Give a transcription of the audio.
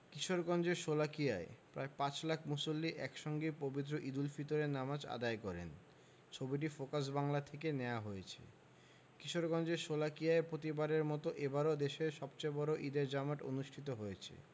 কিশোরগঞ্জের শোলাকিয়ায় প্রায় পাঁচ লাখ মুসল্লি একসঙ্গে পবিত্র ঈদুল ফিতরের নামাজ আদায় করেন ছবিটি ফোকাস বাংলা থেকে নেয়া হয়েছে কিশোরগঞ্জের শোলাকিয়ায় প্রতিবারের মতো এবারও দেশের সবচেয়ে বড় ঈদের জামাত অনুষ্ঠিত হয়েছে